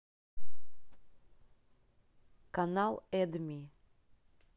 канал эдми